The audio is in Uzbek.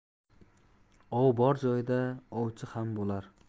ov bor joyda ovchi ham bo'lar